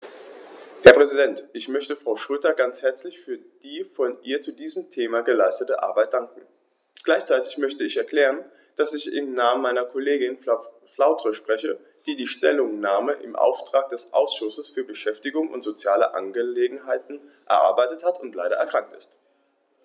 Herr Präsident, ich möchte Frau Schroedter ganz herzlich für die von ihr zu diesem Thema geleistete Arbeit danken. Gleichzeitig möchte ich erklären, dass ich im Namen meiner Kollegin Frau Flautre spreche, die die Stellungnahme im Auftrag des Ausschusses für Beschäftigung und soziale Angelegenheiten erarbeitet hat und leider erkrankt ist.